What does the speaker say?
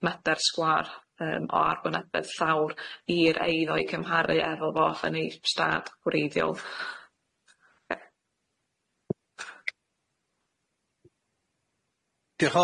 madar sgwâr yym o arwynebydd llawr i'r eiddo i cymharu efo fo fyn ei ystâd gwreiddiol.